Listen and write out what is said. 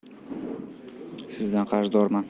sizdan qarzdorman